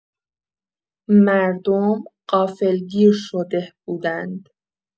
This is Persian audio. مردم غافل‌گیر شده بودند.